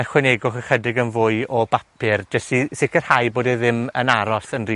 ychwanegwch ychydig yn fwy o bapur jys i sicirhau bod e ddim yn aros yn ry